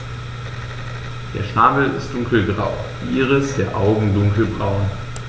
Der Schnabel ist dunkelgrau, die Iris der Augen dunkelbraun.